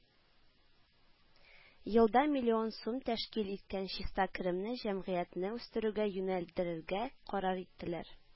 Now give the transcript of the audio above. Елда миллион сум тәшкил иткән чиста керемне җәмгыятьне үстерүгә юнәлдерергә карар иттеләр